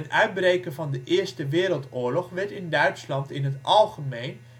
uitbreken van de Eerste Wereldoorlog werd in Duitsland in het algemeen